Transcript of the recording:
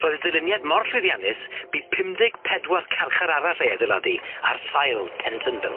Roedd y dyluniad mor llwyddiannus bu pum deg pedwar carchar arall ei adeiladu ar sail Pentonville.